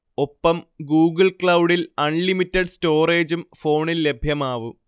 ഒപ്പം ഗൂഗിൾ ക്ലൗഡിൽ അൺലിമിറ്റഡ് സ്റ്റോറേജും ഫോണിൽ ലഭ്യമാവും